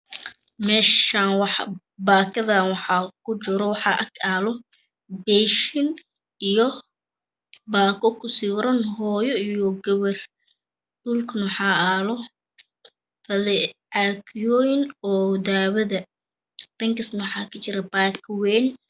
Meshaan pakadan waxaa ku jira waxaa ag yaalo peeshin iyo pakaa ku sawiran hooyo iyo gapar dhulkana waxaa yaalo caagyooyin iyo dawada dhankaazna waxaa kajira paaka ween